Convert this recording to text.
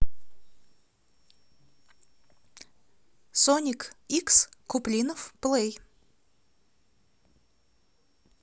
соник икс куплинов плей